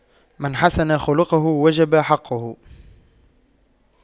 من حسن خُلقُه وجب حقُّه